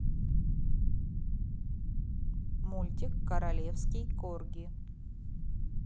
мультик королевский корги